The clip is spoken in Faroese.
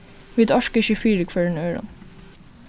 vit orka ikki fyri hvørjum øðrum